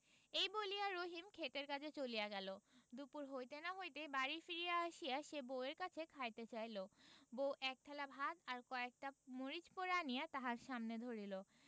এই বলিয়া রহিম ক্ষেতের কাজে চলিয়া গেল দুপুর হইতে না হইতেই বাড়ি ফিরিয়া আসিয়া সে বউ এর কাছে খাইতে চাহিল বউ একথালা ভাত আর কয়েকটা মরিচ পোড়া আনিয়া তাহার সামনে ধরিল